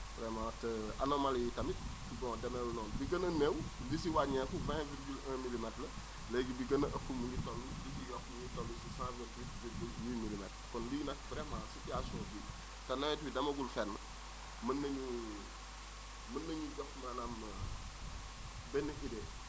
vraiment te anomalie yi tamit bon demeewul noonu bi gën a néew li si wàññeeku 20 virgule 1 milimètre la léegi bi gën a ëpp mi ngi toll li ci yokku mi ngi toll ci 128 virgule 8 milimètres kon lii nag vraiment situation bii te nawet bi demagul fenn mën nañu mën nañu jox maanaam benn idée